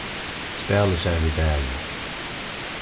spælir sær við bæði